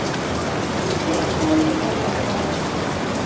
Бездә бай татарлар бар.